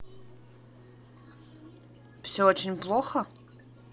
все очень плохо